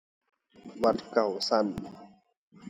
วัดเก้าชั้น